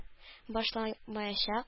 Башламаячак